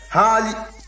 haali